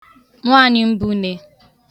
nwaànyị̀ mbune